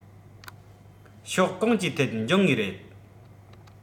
ཕྱོགས གང ཅིའི ཐད འབྱུང ངེས རེད